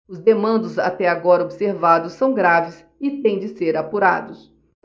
os desmandos até agora observados são graves e têm de ser apurados